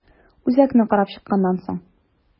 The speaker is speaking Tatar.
Үзәкне карап чыкканнан соң.